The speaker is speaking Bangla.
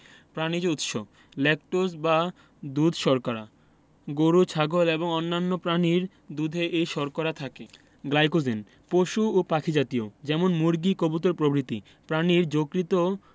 প্রানিজ উৎস ল্যাকটোজ বা দুধ শর্করা গরু ছাগল এবং অন্যান্য প্রাণীর দুধে এই শর্করা থাকে গ্লাইকোজেন পশু ও পাখি জাতীয় যেমন মুরগি কবুতর প্রভৃতি প্রাণীর যকৃৎ